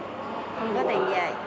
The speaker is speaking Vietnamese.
về